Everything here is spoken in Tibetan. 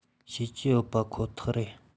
ཤེས ཀྱི ཡོད པ ཁོ ཐག རེད